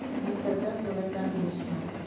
maktabdan so'rasam berishmas